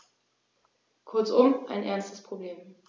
Kurzum, ein ernstes Problem.